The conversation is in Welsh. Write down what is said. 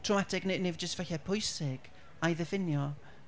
traumatic ne- neu jyst falle pwysig a'i ddiffinio...